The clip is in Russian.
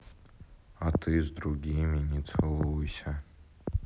а ты с другими не целуйся